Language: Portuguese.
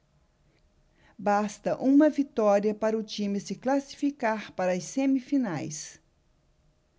basta uma vitória para o time se classificar para as semifinais